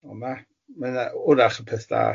O na, mae yna, wrach yn peth da.